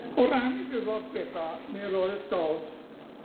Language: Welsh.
O ran 'i ddiddordeba, mi roedd Dodd